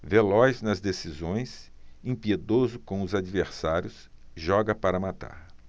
veloz nas decisões impiedoso com os adversários joga para matar